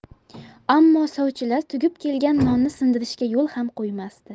ammo sovchilar tugib kelgan nonni sindirishga yo'l ham qo'ymasdi